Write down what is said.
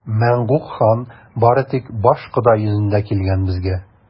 Мәңгүк хан бары тик башкода йөзендә килгән безгә!